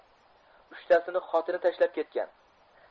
uchtasini xotini tashlab ketgan